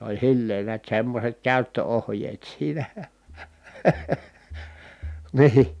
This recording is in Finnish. se oli silleen näet semmoiset käyttöohjeet siinä niin